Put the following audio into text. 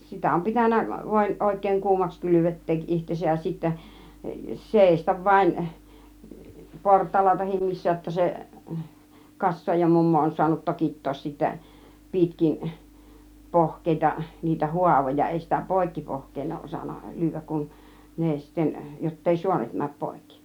sitä on pitänyt vain oikein kuumaksi kylvettää itsensä ja sitten seistä vain portailla tai missä jotta se - kassaajamummo on saanut tokittaa sitten pitkin pohkeita niitä haavoja ei sitä poikki pohkeen ole osannut lyödä kun ne sitten jotta ei suonet mene poikki